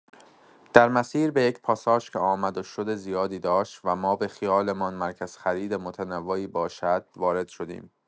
در مسیر به یک پاساژ که آمد و شد زیادی داشت و ما به خیالمان مرکز خرید متنوعی باشد وارد شدیم.